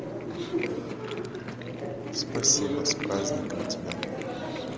спасибо с праздником тебя